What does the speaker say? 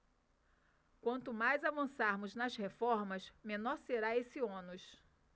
quanto mais avançarmos nas reformas menor será esse ônus